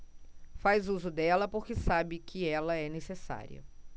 faz uso dela porque sabe que ela é necessária